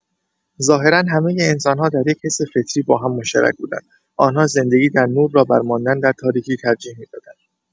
ظاهرا همه انسان‌ها در یک حس فطری باهم مشترک بودند؛ آن‌ها زندگی در نور را بر ماندن در تاریکی ترجیح می‌دادند.